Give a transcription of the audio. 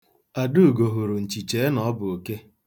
Adaego hụrụ nchi chee na ọ bụ oke.